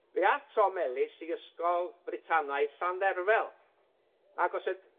Fe ath Tom Ellis i ysgol Britanaidd Llandderfel, ac os yd-